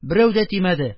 Берәү дә тимәде!